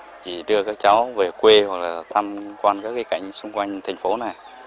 chỉ đưa các cháu về quê hoặc là thăm quan các cái cảnh xung quanh thành phố này